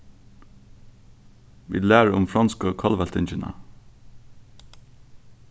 vit læra um fronsku kollveltingina